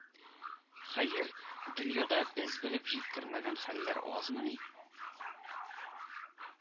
Хәер, дөньяда без белеп җиткермәгән хәлләр азмыни